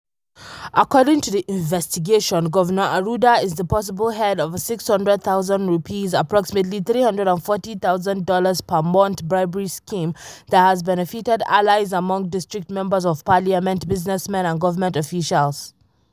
According to the investigation, Governor Arruda is the possible head of a R$ 600,000 (approximately $340,000) per month bribery scheme that has benefited allies among district members of parliament, businessmen and government officials.